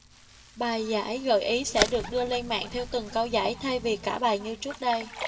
bài giải gợi ý sẽ được đưa lên mạng theo từng câu giải thay vì cả bài như trước đây